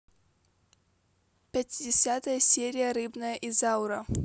пятидесятая серия рабыня изаура